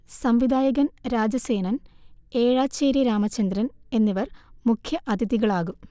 സംവിധായകൻ രാജസേനൻ, ഏഴച്ചേരി രാമചന്ദ്രൻ എന്നിവർ മുഖ്യഅഥിതികളാകും